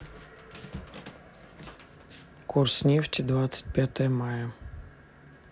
курс нефти двадцать пятое мая